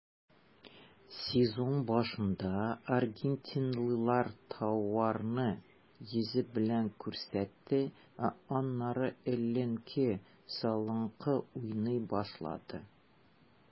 Сезон башында аргентинлылар тауарны йөзе белән күрсәтте, ә аннары эленке-салынкы уйный башлады.